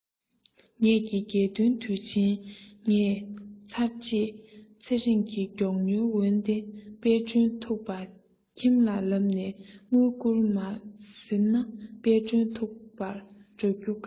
ངས ཀྱི རྒྱལ སྟོན དུས ཆེན གྱི ངལ ཚར རྗེས ཚེ རིང གི མགྱོགས མྱུར འོན ཏེ དཔལ སྒྲོན ཐུགས པར ཁྱིམ ལ ལབ ནས དངུལ བསྐུར མ ཟེར ན དཔལ སྒྲོན ཐུགས པར འགྲོ རྒྱུ དཀའ